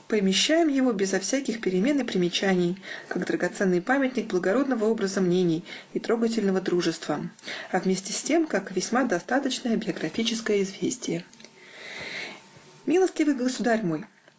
Помещаем его безо всяких перемен и примечаний, как драгоценный памятник благородного образа мнений и трогательного дружества, а вместе с тем, как и весьма достаточное биографическое известие. Милостивый Государь мой ****!